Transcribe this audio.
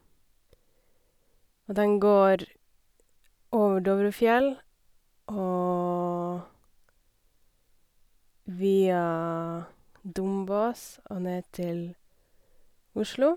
Og den går over Dovrefjell og via Dombås, og ned til Oslo.